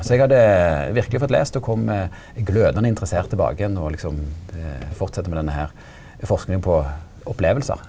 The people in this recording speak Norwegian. så eg hadde verkeleg fått lest og kom glødande interessert tilbake igjen og liksom fortsette med denne her forskinga på opplevingar.